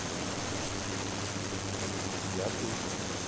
я тут